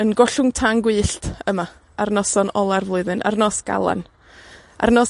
yn gollwng tân gwyllt yma, ar noson ola'r flwyddyn, ar Nos Galan. Ar Nos